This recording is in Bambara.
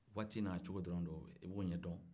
waati n'a cogo dɔrɔn don i b'o ɲɛdon